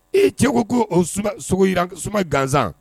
E cɛw ko ko o sogoran suma gansan